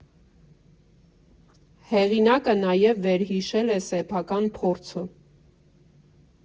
Հեղինակը նաև վերհիշել է սեփական փորձը։